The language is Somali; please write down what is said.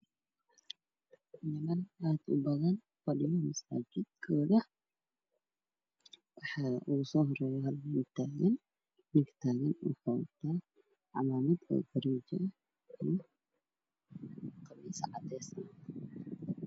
Waxaa ii muuqdo masaajid ay fadhiyaan dad fara badan waxaana horay ka muuqda boor cagaaran dadna ayaa taagtaagan